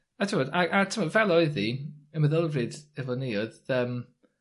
A t'mod, a a t'mod, fel oedd 'i, y meddylfryd efo ni odd, yym,